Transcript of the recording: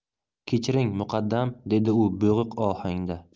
kechiring muqaddam dedi u bo'g'iq ohangda